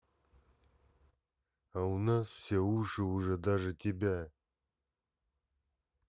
а у нас все уши уже даже тебя